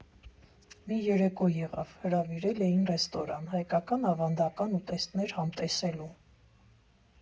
Մի երեկո եղավ, հրավիրել էին ռեստորան, հայկական ավանդական ուտեսներ համտեսելու։